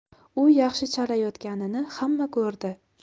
u yaxshi chalayotganini xamma ko'rdi